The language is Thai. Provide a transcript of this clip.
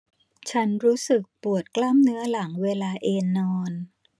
ฉันรู้สึกปวดกล้ามเนื้อหลังเวลาเอนนอน